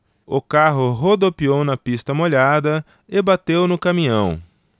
o carro rodopiou na pista molhada e bateu no caminhão